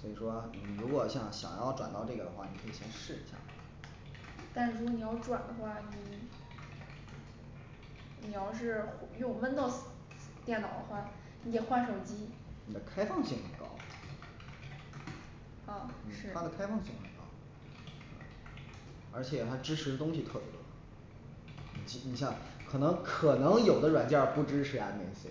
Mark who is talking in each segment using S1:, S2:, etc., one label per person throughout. S1: 所以说你如果想想要转到这个的话，你可以先试一下。
S2: 但是如果你要转的话你你要是用Windows电脑的话，你得换手机
S1: 那开放性很高啊
S2: 哦是
S1: 他的开放性很高而且它支持的东西特别多。你你想可能可能有的软件儿不支持M A C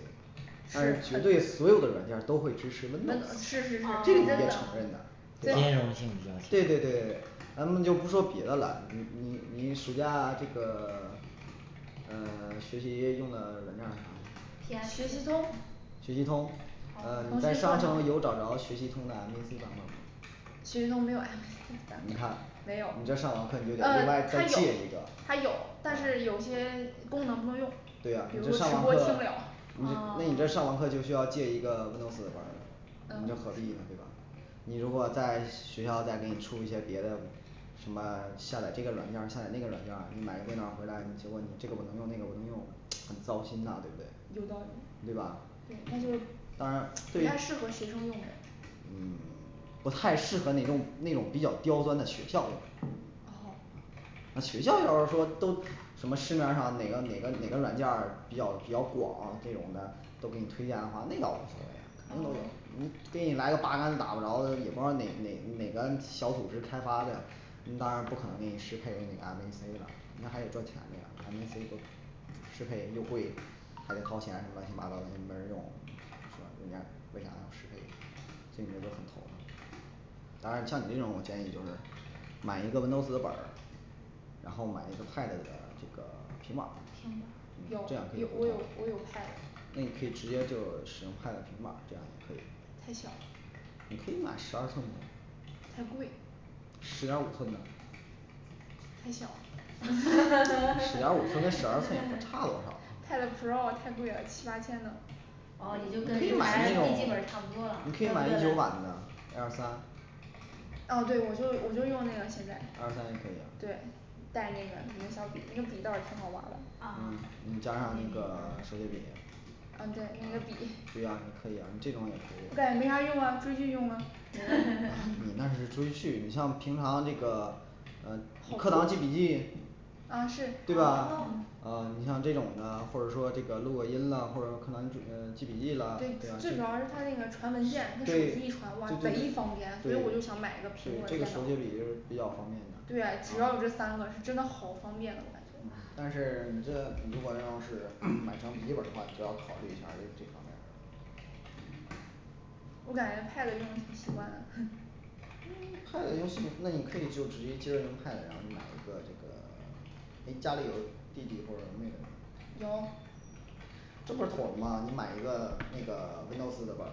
S1: 但是
S2: 是
S1: 绝对所有的软件儿都会支持Windows，
S2: 是
S1: 这
S2: 是
S1: 个你
S3: 真的
S2: 是
S1: 得承认的
S4: 兼容性比较
S1: 对
S4: 强
S1: 对对。咱们就不说别的了，你你你暑假这个嗯学习用的软件问
S2: 像
S1: 啥的，
S2: 学习通
S1: 学习通呃你在商城有找着学习通的M A C版本儿吗
S2: 学习通没有啊
S1: 你看
S2: 没有，
S1: 你这上网
S2: 啊
S1: 课你就得另外再
S2: 它
S1: 借一
S2: 有
S1: 个
S2: 它有但是有些功能不能用
S1: 对啊你
S2: 有的
S1: 这
S2: 直
S1: 上网课
S2: 播
S1: 你这
S2: 听不了
S1: 那
S3: 哦
S1: 你这上网课就需要借一个Windows的本儿，你说何必呢对吧？你如果在学校再给你出一些别的什么下载这个软件儿，下载那个软件儿，你买个电脑儿回来，你结果你这个不能用那个不能用，很糟心呐，对不对
S2: 有道理？
S1: 对吧
S2: 那就
S1: 当然
S2: 不
S1: 对于
S2: 太适合学生用的
S1: 嗯不太适合那种那种比较刁钻的学校用
S2: 哦
S1: 那学校要是说都什么市面儿上哪个哪个哪个软件儿比较比较广，这种的都给你推荐的话，那倒无所谓
S2: 哦
S1: 你给你来个八竿子打不着的，也不知道哪哪哪个小组织开发的，你当然不可能给你适配那个M A C了，人家还得赚钱的呀M A C都适配就会，还得掏钱什么乱七八糟的，又没人用。说人家为啥要适配，这里面就很头疼当然像你这种我建议就是买一个Windows的本，然后买一个Pad的这个平板儿，
S2: 平
S1: 这
S2: 板
S1: 样
S2: 儿
S1: 可
S2: 有
S1: 以
S2: 有我有我有Pad
S1: 那你可以直接就使用Pad平板儿，这样就可以了
S2: 太小
S1: 你
S2: 了
S1: 可以买十二寸的啊
S2: 太贵
S1: 十点儿五寸的
S2: 太小
S1: 十 点儿五寸跟十二寸的也不差多少
S2: Pad Pro太贵了七八千呢
S3: 哦也
S1: 你
S3: 就
S1: 可
S3: 是
S1: 以
S3: 跟
S1: 买个
S3: 买
S1: 那
S3: 一个
S1: 种
S3: 笔记本儿差不多了
S1: 你可以买个一九版的Air三
S2: 哦对我就我就用那个现在，
S1: Air 三也可以啊
S2: 对，带那个一个小笔，那个笔倒是挺好玩儿的
S3: 啊
S1: 嗯嗯
S3: 啊
S1: 你加上那个手写笔
S2: 哦对那个笔，
S1: 对啊你可以啊你这种也可
S2: 我
S1: 以，
S2: 感觉没啥用啊，追剧用吗
S1: 你那是追剧，你像平常这个呃课堂记笔记
S2: 啊是
S1: 对吧，呃你像这种的或者说这个录个音啦，或者课堂记嗯记笔记啦
S2: 对最主要是它那个传文件
S1: 对，对对对，对，
S2: 用手机一传哇贼方便，所以我就想买一个
S1: 对
S2: 苹果
S1: 这
S2: 电
S1: 个
S2: 脑
S1: 手写笔是比较方便的
S2: 对啊只要这
S1: 啊
S2: 三个是真的好方便
S1: 嗯但是你真的如果要是 买成笔记本的话需要考虑一下儿就这方面儿
S2: 我感觉Pad用的挺习惯的。
S1: 嗯Pad用习惯那你可以就直接接着用Pad，然后你买一个这个你家里有弟弟或者妹妹吗？
S2: 有
S1: 这不是妥了吗？你买一个那个Windows的本儿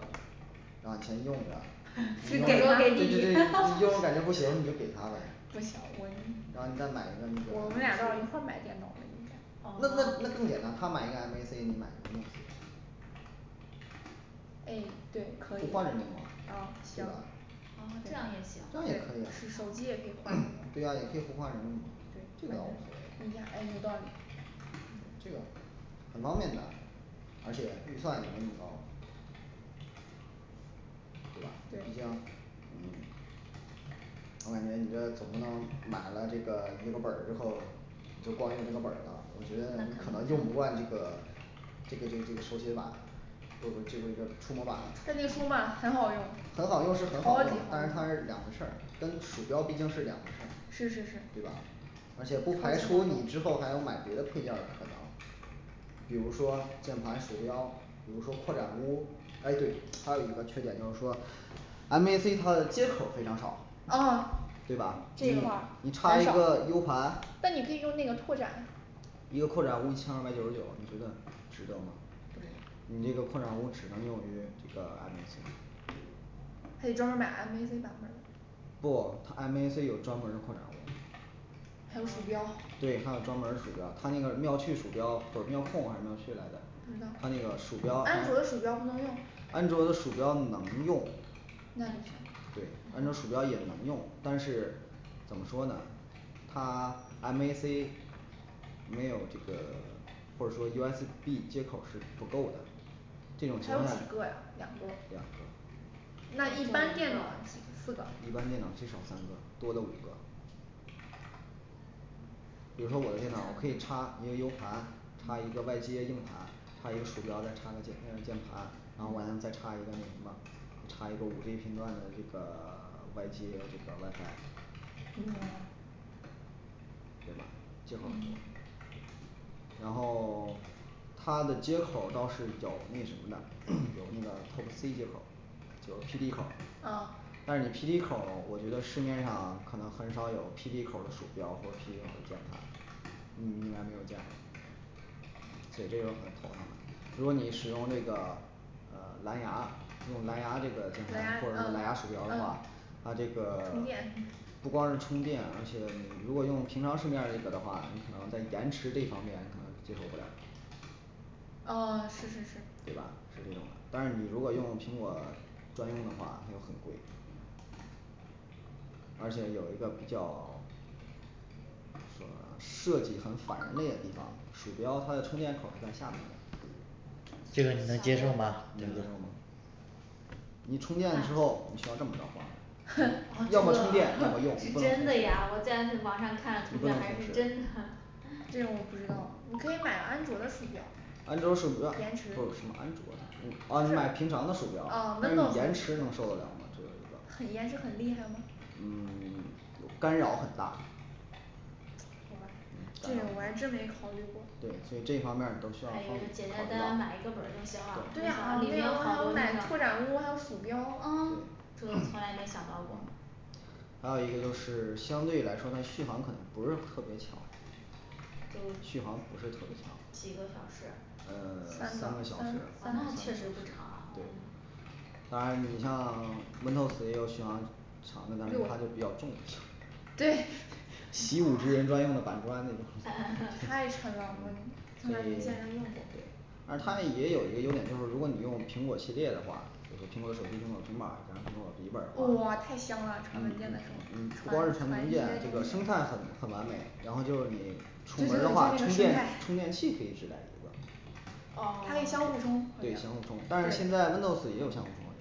S1: 那你先用着，
S3: 哦
S2: 是给到
S1: 对
S2: 给
S1: 对
S2: 弟
S1: 对
S2: 弟，
S1: 你用感觉不行你就给他呗然后你再买一个那
S2: 我
S1: 个
S2: 们俩要一块儿买电脑应该
S1: 那那那更简单他买一个M A C你买一个Windows的
S2: 诶对
S1: 互
S2: 可以
S1: 换着用吗是吧
S3: 啊这样也行
S1: 这样也可以啊
S2: 啊行手机也可以换
S1: 对啊也可以互换这个倒无所谓这个，很方便的而且预算也没那么高对吧？毕竟嗯我感觉你这总不能买了一个本儿之后就光用这个本了，我觉得你可能用不惯这个。这个这个这个手写板不不这个这个触摸板，
S2: 特别听话很好用
S1: 很好用是
S2: 超级
S1: 很好
S2: 好
S1: 用但是
S2: 用
S1: 它是两个事儿跟鼠标毕竟是两个事儿
S2: 是是是
S1: 对吧而且你排除你之后还有买别的配件儿的可能比如说键盘鼠标比如说扩展坞，哎对还有一个缺点就是说M A C它的接口非常少
S2: 啊
S1: 对吧
S2: 这一块儿，
S1: 你你插一个优盘
S2: 但你可以用那个拓展
S1: 一个扩展坞一千二百九十九，你觉得值得吗？你那个扩展坞只能用于这个M A C
S2: 可以专门儿买M A C版吗
S1: 不，它M A C有专门儿的扩展坞。
S2: 还有鼠标
S1: 对它有专门儿鼠标，它那个妙趣鼠标是秒控还是妙趣来着它那个鼠标它，
S2: 安卓的鼠标不能用
S1: 安卓的鼠标能用，对安卓鼠标也能用但是怎么说呢它M A C 没有这个，或者说U S B接口儿是不够的。
S2: 它
S1: 这
S2: 有
S1: 种
S2: 几
S1: 情况
S2: 个，两个
S1: 两个
S2: 那一般电脑儿四个，
S1: 一般电脑最少三个，多了五个比如说我的电脑可以插一个U盘，插一个外接硬盘，换一个鼠标再插个键键盘，然后完了再插一个什么？插一个五G频段的外接这个WiFi 对吧？接口儿很多。然后它的接口儿倒是有那什么的， 有那个top C接口儿就是P D口儿，
S2: 嗯
S1: 但是你P D口儿我觉得市面上可能很少有P D口儿的鼠标或者P D口儿的键盘，嗯应该没有这样。对这有可能。如果你使用这个呃蓝牙用蓝牙这个
S2: 蓝牙嗯嗯
S1: 键盘或者说蓝牙鼠
S2: 冲
S1: 标的话
S2: 电，
S1: 它这个不光是充电，而且你如果用平常市面儿这个的话，你可能在延迟这方面可能接受不了。
S2: 哦是是是
S1: 对吧是这种的,但是你要用苹果专用的话它又很贵而且有一个比较说设计很反人类的地方，鼠标它的充电口儿是在下面儿的，能接受吗
S4: 这个你能接受吗这个
S1: 你充电的时候你需要这么着放着
S2: 啊
S3: 居然
S2: 这
S1: 要么充电要
S2: 个
S1: 么用
S3: 这样，在网上看评价还是真的
S2: 这个我不知道你可以买安卓的鼠标
S1: 安卓的鼠标不
S2: 延迟的
S1: 安卓啊你买平常的鼠标，
S2: 啊
S1: 但是你延迟能受得了吗
S2: 很延迟很厉害吗？
S1: 嗯 干扰很大
S2: 这个我还真没考虑过
S1: 对，所以这方面儿你都需要考
S3: 哎呦
S1: 虑
S3: 就简简单单买一
S1: 到
S3: 个本儿就行了，
S2: 对啊那样的还有买拓展坞还有鼠标啊
S3: 从来没想到过
S1: 嗯还有一个就是相对来说它续航可能不是特别强续航不是特别长，
S2: 嗯几个小时
S1: 嗯
S2: 三个三
S1: 三个
S2: 三小
S1: 小时，
S3: 那确实
S2: 时
S3: 不长啊
S1: 对当然你像Windows也有续航长的但是它就比较重。
S2: 对
S1: 习武之人专用的板砖那种
S2: 呃太沉了，我之前用过
S1: 但是它那也有一个优点，就是如果你用苹果系列的话，就是苹果手机苹果平板儿，然后苹果笔记本儿的话
S2: 哇太香啦传文件的时
S1: 嗯
S2: 候
S1: 不光是传文件，这个生态很很完美，然后就你出门儿的话，充电充电器可以只带一个
S2: 可以
S3: 哦
S2: 相互充，
S1: 对相互充但是现在Windows也有相互冲了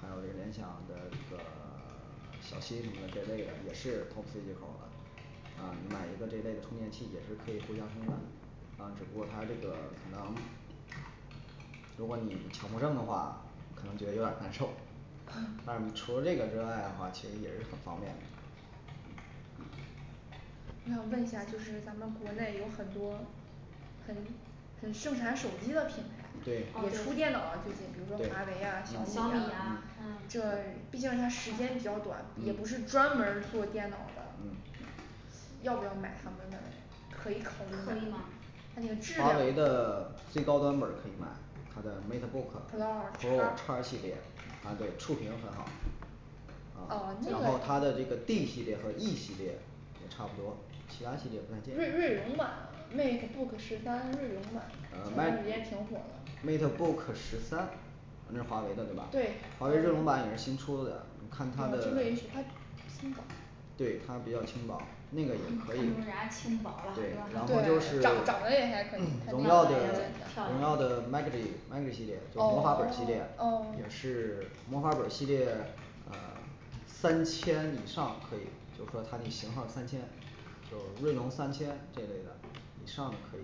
S1: 还有联想的，呃小新什么的这类的也是同时接口的。你买一个这一类的充电器也是可以回家充电的。只不过他这个可能如果你强迫症的话，可能觉得有点难受，但是除了这个之外的话，其实也是很方便的
S2: 那我问一下就是咱们国内有很多很很盛产手机的品牌，也
S1: 对
S2: 出电脑了最近 比如说华
S1: 对
S2: 为啊、
S3: 小
S2: 小
S3: 米
S2: 米啊
S3: 啊
S1: 嗯
S2: 这毕竟它时间比较短也不
S1: 嗯
S2: 是专门儿做电脑的
S1: 嗯
S2: 要不要买他们的？可以考
S3: 可以
S2: 虑
S3: 吗
S2: 吗？，它那个质感
S1: 华为的最高端本儿可以买它的MateBook
S2: Pro
S1: Pro
S2: 叉
S1: 叉系列啊对触屏很好
S2: 哦那
S1: 然后
S2: 个
S1: 它的这个D系列和E系列差不多，其他系列不再，
S2: 锐锐龙版MateBook十三锐龙
S1: 呃麦
S2: 版也挺火的
S1: MateBook十三那是华为的对吧，
S2: 对
S1: 华为锐龙版也是新出的看它的对，它比较轻薄那个也可
S3: 看
S1: 以
S3: 中，人家轻薄
S1: 对然后就
S3: 了
S1: 是
S3: 是
S2: 对
S3: 吧
S2: 长长得也还可以
S1: 荣耀的荣耀的Magic Magic系列就魔法本儿
S2: 哦
S1: 系列
S2: 哦
S1: 也是魔法本儿系列呃三千以上可以，就是说它那型号儿三千，就锐龙三千这类的。以上可以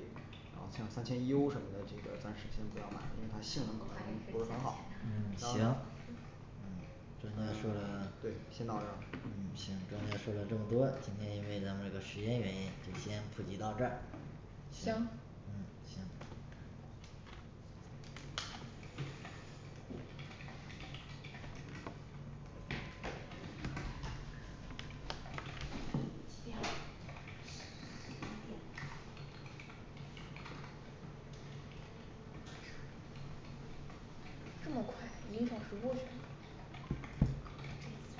S1: 然后像三千U什么的这个但是现在因为它性能可能不是很好
S4: 嗯行嗯专家说了
S1: 对，先到这儿
S4: 嗯行，专家说了这么多，今天因为咱们这个时间原因就先普及到这儿
S2: 行
S4: 嗯行